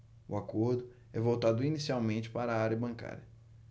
o acordo é voltado inicialmente para a área bancária